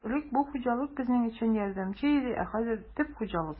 Шулай итеп, элек бу хуҗалык безнең өчен ярдәмче иде, ә хәзер төп хуҗалык булды.